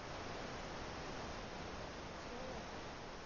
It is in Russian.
соло